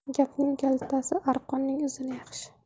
gapning kaltasi arqonning uzuni yaxshi